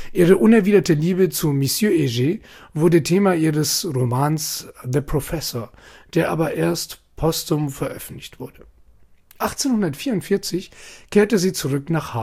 Ihre unerwiderte Liebe zu Monsieur Heger wurde Thema ihres Romans „ The Professor “, der aber erst postum veröffentlicht wurde. 1844 kehrte sie zurück nach